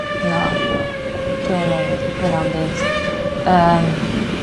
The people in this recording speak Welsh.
Na. Dwi'm yn meddwl by' na'm byd yym